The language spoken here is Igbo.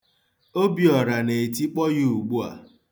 Obiọra na-etikpọ ya ugbua.